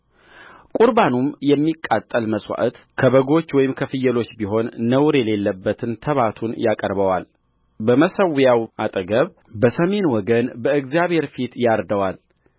ቍርባኑም የሚቃጠል መሥዋዕት ከበጎች ወይም ከፍየሎች ቢሆን ነውር የሌለበትን ተባቱን ያቀርበዋልበመሠዊያውም አጠገብ በሰሜን ወገን በእግዚአብሔር ፊት ያርደዋል